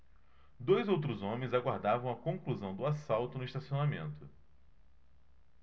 dois outros homens aguardavam a conclusão do assalto no estacionamento